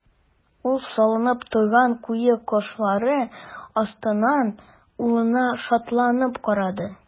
Ул салынып торган куе кашлары астыннан улына шатланып карады.